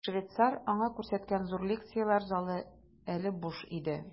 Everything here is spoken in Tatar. Швейцар аңа күрсәткән зур лекцияләр залы әле буш иде.